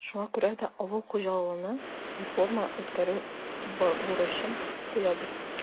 Шуңа күрә дә авыл хуҗалыгына реформа үткәрү бурычын куябыз.